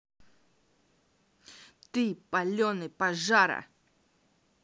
ты паленый пожара